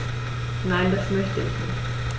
Nein, das möchte ich nicht.